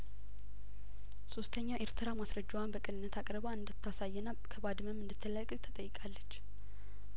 ሶስተኛው ኤርትራ ማስረጃዋን በቅንነት አቅርባ እንድታ ሳይና ከባድመም እንድት ለቅቅ ተጠይቃለች